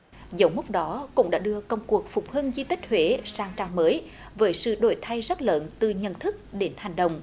dấu mốc đó cũng đã đưa công cuộc phục hưng di tích huế sang trang mới với sự đổi thay rất lớn từ nhận thức đến hành động